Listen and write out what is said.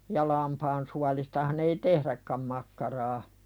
ja lampaan suolistahan ei tehdäkään makkaraa